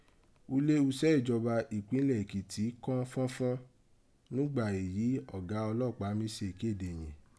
ulé iṣẹ ijọba ipinlẹ Èkìtì kọ́n fọnfọn nùgbà èyí ọ̀gá ọlọpaa mí se ikede yẹ̀n.